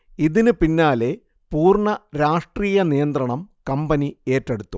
ഇതിന് പിന്നാലെ പൂർണ്ണ രാഷ്ട്രീയ നിയന്ത്രണം കമ്പനി ഏറ്റെടുത്തു